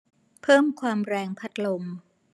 เพิ่มความแรงพัดลม